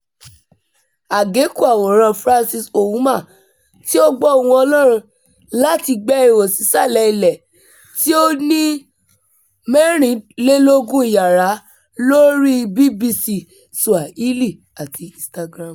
Àgékù àwòrán-an Francis Ouma, tí ó gbọ́ ohùn Ọlọ́run láti gbẹ́ ihò sísàlẹ̀ ilẹ̀ tí ó ní 24 ìyàrá lóríi BBC Swahili / Instagram.